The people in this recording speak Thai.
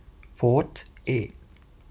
โฟธเอด